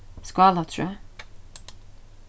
skálatrøð